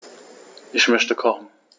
Ich möchte kochen.